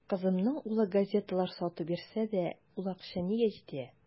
Кызымның улы газеталар сатып йөрсә дә, ул акча нигә җитә.